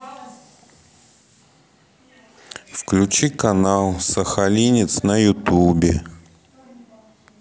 включи канал сахалинец на ютубе